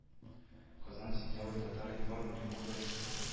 Казан сентябрь татар-информ римма гатина